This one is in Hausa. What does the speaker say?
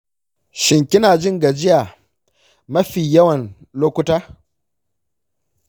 shin kina jin gajiya mafi yawan lokuta?